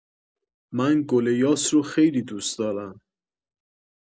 من گل یاس رو خیلی دوست دارم